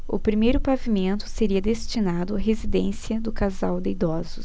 o primeiro pavimento seria destinado à residência do casal de idosos